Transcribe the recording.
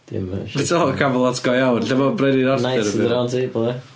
Dim y... Be ti feddwl y Camelot go iawn lle ma'r brenin Arthur?... Knights of the Round Table, ia.